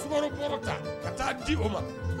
Sumaworo kɔrɔ ta ka taa di o ma